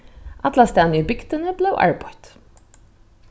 allastaðni í bygdini bleiv arbeitt